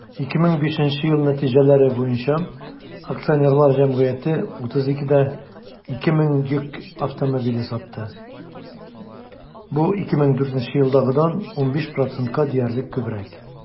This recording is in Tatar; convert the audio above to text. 2005 ел нәтиҗәләре буенча акционерлар җәмгыяте 32,2 мең йөк автомобиле сатты, бу 2004 елдагыдан 15 %-ка диярлек күбрәк.